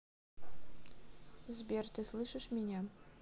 сбер ты слышишь меня